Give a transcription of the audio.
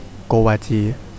โกวาจี